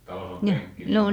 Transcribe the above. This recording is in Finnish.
talossa on penkki